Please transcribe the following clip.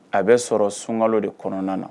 A bɛ sɔrɔ sunkalo de kɔnɔna na.